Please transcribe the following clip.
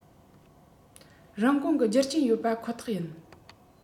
རིན གོང གི རྒྱུ རྐྱེན ཡོད པ ཁོ ཐག ཡིན